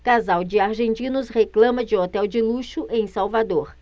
casal de argentinos reclama de hotel de luxo em salvador